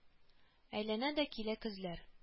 Әйләнә дә килә көзләр